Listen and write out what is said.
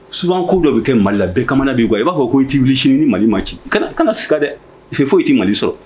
Su ko dɔ bɛ kɛ mali la bɛɛ ka bi bɔ i b'a fɔ ko i ti' wulicinin ni mali ma ci siga dɛ fɛ foyi i tɛ mali sɔrɔ